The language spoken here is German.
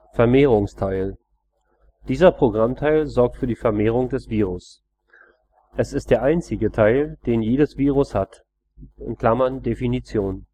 Vermehrungsteil: Dieser Programmteil sorgt für die Vermehrung des Virus. Es ist der einzige Teil, den jedes Virus hat (Definition